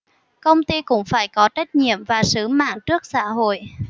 công ty cũng phải có trách nhiệm và sứ mạng trước xã hội